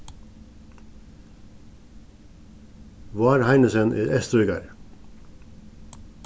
vár heinesen er eysturríkari